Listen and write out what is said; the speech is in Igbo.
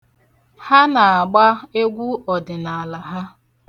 Ha na-agba egwu ọdịnaala ha.